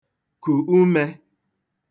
kù umẹ